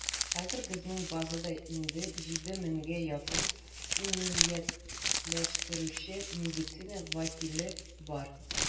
Хәзер безнең базада инде 7 меңгә якын иминиятләштерүче медицина вәкиле бар.